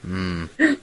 Hmm.